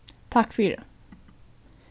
takk fyri